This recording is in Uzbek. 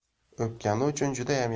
o'pgani uchun judayam